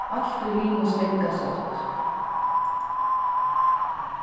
alt er hinum svanga søtt